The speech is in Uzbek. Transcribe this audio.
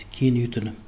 keyin yutunib